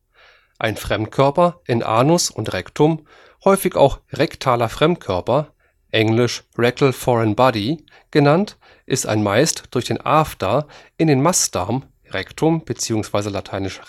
Ein Fremdkörper in Anus und Rektum, häufig auch rektaler Fremdkörper (engl. rectal foreign body) genannt, ist ein meist durch den After in den Mastdarm (Rektum bzw. lat.